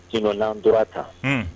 Jnaan tora ta